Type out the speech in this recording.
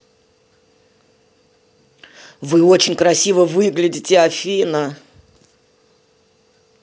вы очень красиво выглядите афина